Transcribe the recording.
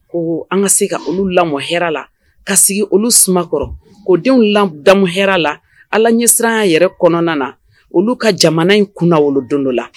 Ko an ka se ka olu lamɔ h la ka sigi olu sumakɔrɔ k'o denw lamɔda h la ala ɲɛsira yɛrɛ kɔnɔna na olu ka jamana in kunna wolo don dɔ la